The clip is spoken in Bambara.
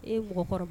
E bɔgɔɔ kɔrɔ